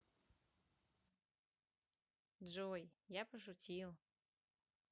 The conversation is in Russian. джой я пошутил